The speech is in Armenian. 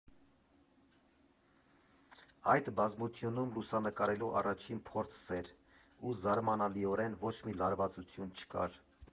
Այդ բազմությունում լուսանկարելու առաջին փորձս էր, ու զարմանալիորեն ոչ մի լարվածություն չկար։